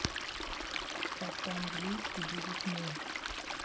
как по английски будет my